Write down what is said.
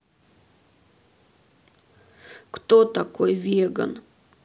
кто такой веган